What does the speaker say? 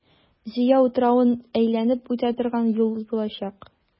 Зөя утравын әйләнеп үтә торган юл булачак.